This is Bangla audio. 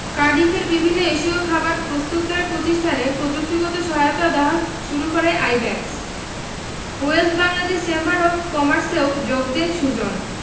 কার্ডিফের বিভিন্ন এশীয় খাবার প্রস্তুতকারী প্রতিষ্ঠানে প্রযুক্তিগত সহায়তা দেওয়া শুরু করে IBACS Wales Bangladesh chamber of কমার্সেও যোগ দেন সুজন